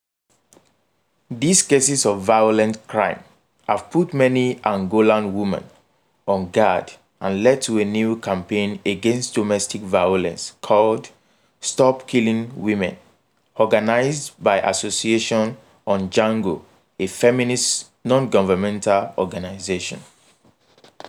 These cases of violent crime have put many Angolan women on guard and led to a new campaign against domestic violence called "Stop Killing Women," organized by Association Ondjango, a feminist nongovernmental organization.